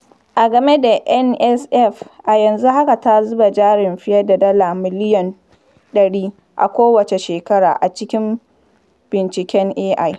A game da NSF, a yanzu haka ta zuba jarin fiye da dala miliyan 100 a kowace shekara a cikin binciken AI.